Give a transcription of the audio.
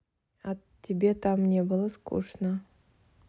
а тебе там не было скучно